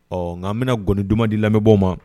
Ɔ nka' an bɛna gɔni duman di lamɛnbaw ma